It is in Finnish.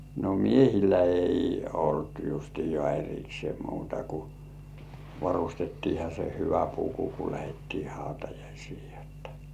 no miehillä ei ollut justiaan erikseen muuta kuin varustettiinhan se hyvä puku kun lähdettiin hautajaisia jotta